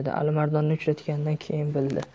alimardonni uchratganidan keyin bildi